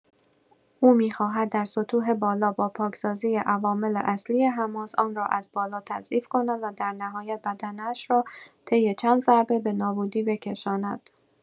او می‌خواهد در سطوح بالا با پاکسازی عوامل اصلی حماس، آن را از بالا تضعیف کند و در نهایت بدنه‌ش را طی چند ضربه به نابودی بکشاند.